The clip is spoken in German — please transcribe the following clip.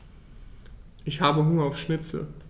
Ich habe Hunger auf Schnitzel.